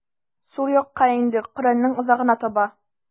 Сул якка инде, Коръәннең азагына таба.